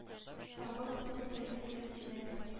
Тавы булып торды йөрәктә.